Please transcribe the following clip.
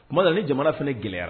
Tuma na ale jamana fana gɛlɛyara